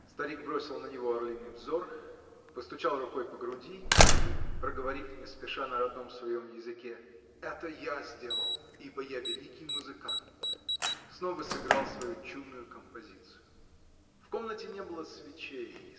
Старик бросил на него орлиный взор, постучал рукой по груди и, проговорив, не спеша, на родном своем языке: "Это я сделал, ибо я великий музыкант", -- снова сыграл свою чудную композицию. В комнате не было свечей